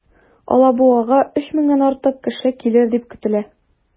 Алабугага 3 меңнән артык кеше килер дип көтелә.